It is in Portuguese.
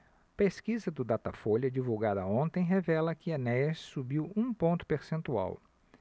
pesquisa do datafolha divulgada ontem revela que enéas subiu um ponto percentual